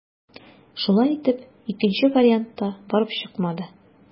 Шулай итеп, икенче вариант та барып чыкмады.